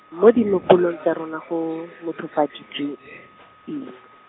mo dinopolong tsa rona go, mothofaditswe , eng?